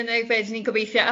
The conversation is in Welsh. Dyna yw be' dan ni'n gobeithio.